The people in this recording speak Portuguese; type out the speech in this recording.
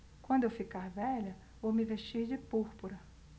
quando eu ficar velha vou me vestir de púrpura